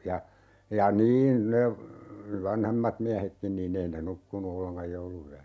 ja ja niin ne vanhemmat miehetkin niin ei ne nukkunut ollenkaan jouluyönä